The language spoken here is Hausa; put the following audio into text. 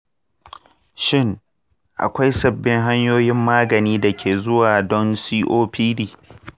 shin akwai sabbin hanyoyin magani da ke zuwa don copd?